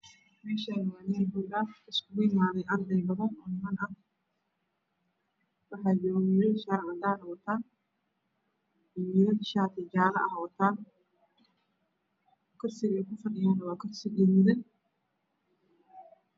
Meeshaan waa meel hool ah waxaa iskugu imaaday ardey badan oo niman ah waxaa joogo wiilal shaati cadaan ah wataan iyo wiilal shaati jaalo ah wata kursiga ay ku fadhiyaana waa kursi gaduudan.